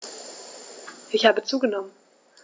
Ich habe zugenommen.